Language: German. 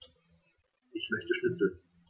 Ich möchte Schnitzel.